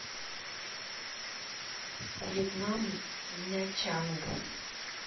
вьетнам нячанг